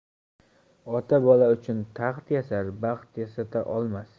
ota bola uchun taxt yasar baxt yasata olmas